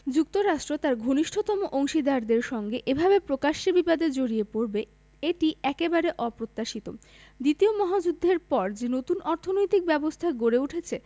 যুক্তরাষ্ট্র তার ঘনিষ্ঠতম অংশীদারদের সঙ্গে এভাবে প্রকাশ্যে বিবাদে জড়িয়ে পড়বে এটি একেবারে অপ্রত্যাশিত দ্বিতীয় মহাযুদ্ধের পর যে নতুন অর্থনৈতিক ব্যবস্থা গড়ে উঠেছে